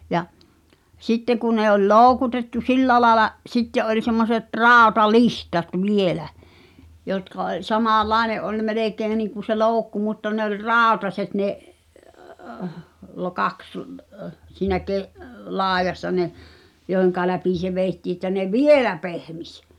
ja sitten kun ne oli loukutettu sillä lailla sitten oli semmoiset rautalihdat vielä jotka oli samanlainen oli melkein niin kuin se loukku mutta ne oli rautaiset ne kaksi siinä - laidassa ne joiden läpi se vedettiin että ne vielä pehmisi